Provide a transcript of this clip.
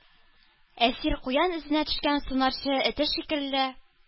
Әсир, куян эзенә төшкән сунарчы эте шикелле,